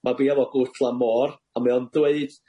Ma' bia fo gwt lan môr, a mae o'n dweud